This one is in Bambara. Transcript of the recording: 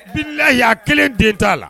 ' layi y' a kelen den t' a la